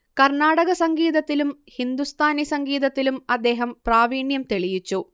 കര്ണാടക സംഗീതത്തിലും ഹിന്ദുസ്ഥാനി സംഗീതത്തിലും അദ്ദേഹം പ്രാവീണ്യം തെളിയിച്ചു